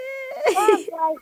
Nse